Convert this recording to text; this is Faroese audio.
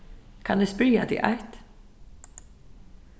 kann eg spyrja teg eitt